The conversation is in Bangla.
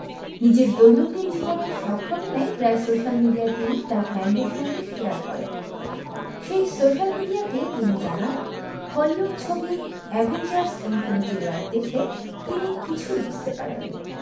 নিজের দৈনন্দিন জীবনের সব ঘটনাই প্রায় সোশ্যাল মিডিয়ায় তিনি তার ফ্যানেদের সঙ্গে শেয়ার করেন সেই সোশ্যাল মিডিয়াতেই তিনি জানালেন হলিউড ছবি অ্যাভেঞ্জার্স ইনফিনিটি ওয়ার দেখে তিনি কিছুই বুঝতে পারেননি